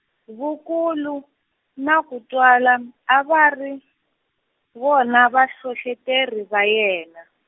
vukulu, na Kutwala a va ri, vona vahlohloteri va yena.